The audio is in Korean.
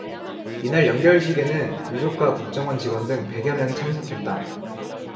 이날 영결식에는 유족과 국정원 직원 등 백 여 명이 참석했다